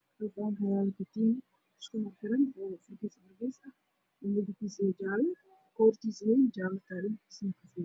Waa jijin midabkeedu yahay dahabi oo wareeg ah oo saaran meel dhul ah